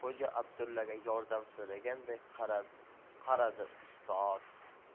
xo'ja abdullaga yordam so'raganday qaradi ustod